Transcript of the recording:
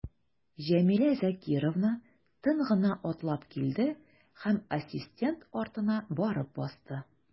Җәмилә Закировна тын гына атлап килде һәм ассистент артына барып басты.